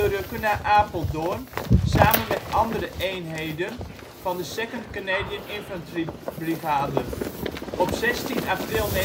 rukken naar Apeldoorn, samen met andere eenheden van de 2nd Canadian Infantry Brigade. Op 16 april